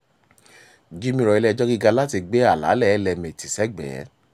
Gyumi rọ Ilé-ẹjọ́ Gíga láti gbé àlàálẹ̀ LMA tì sẹ́gbẹ̀ẹ́.